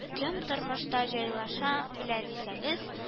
Кем тормышта җайлаша белә дисәгез